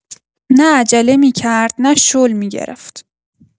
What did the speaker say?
نه عجله می‌کرد، نه شل می‌گرفت.